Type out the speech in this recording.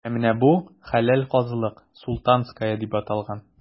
Ә менә бу – хәләл казылык,“Султанская” дип аталган.